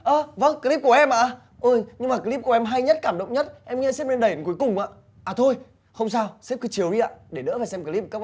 ơ vâng cờ líp của em ạ ôi nhưng mà cờ líp của em hay nhất cảm động nhất em nghĩ sếp nên đẩy về cuối cùng ạ à thôi không sao sếp cứ chiếu đi ạ để đỡ phải xem cờ líp của